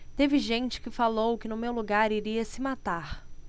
teve gente que falou que no meu lugar iria se matar